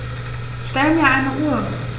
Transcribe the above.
Stell mir eine Uhr.